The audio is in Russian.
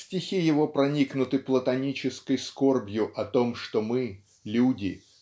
Стихи его проникнуты платонической скорбью о том что мы люди